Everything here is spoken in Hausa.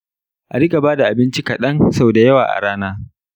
a riƙa ba da abinci kaɗan sau da yawa a rana.